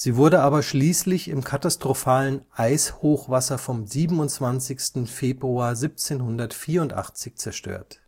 wurde aber schließlich im katastrophalen Eishochwasser von 27. Februar 1784 zerstört